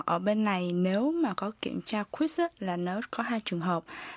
ở bên này nếu mà có kiểm tra quyt á là nó có hai trường hợp